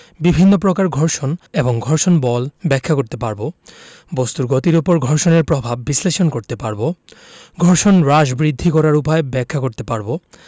বিভিন্ন প্রকার ঘর্ষণ এবং ঘর্ষণ বল ব্যাখ্যা করতে পারব বস্তুর গতির উপর ঘর্ষণের প্রভাব বিশ্লেষণ করতে পারব ঘর্ষণ হ্রাস বৃদ্ধি করার উপায় ব্যাখ্যা করতে পারব